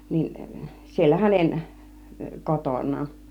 niin siellä hänen kotonaan